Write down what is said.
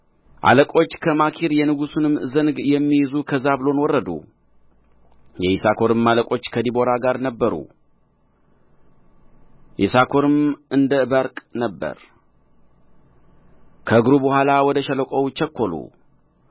አለቆች ከማኪር የንጉሥንም ዘንግ የሚይዙ ከዛብሎን ወረዱ የይሳኮርም አለቆች ከዲቦራ ጋር ነበሩ ይሳኮርም እንደ ባርቅ ነበረ ከእግሩ በኋላ ወደ ሸለቆው ቸኰሉ